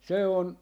se on